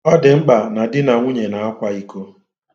Ọ dị mkpa na di na nwunye na-akwa iko.